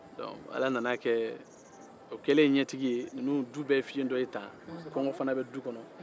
o kɛlen ɲɛtigi ye komi du bɛɛ ye fiyento ye tan kɔngɔ bɛ du kɔnɔ